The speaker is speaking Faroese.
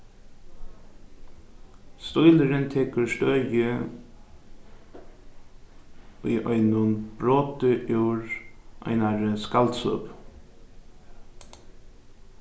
stílurin tekur støði í einum broti úr einari skaldsøgu